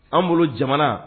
An bolo jamana